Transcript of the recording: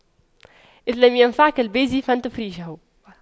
إذا لم ينفعك البازي فانتف ريشه